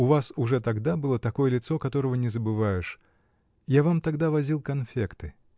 у вас уже тогда было такое лицо, которого не забываешь я вам тогда возил конфекты.